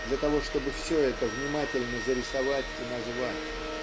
для того чтобы все это внимательно зарисовать и назвать.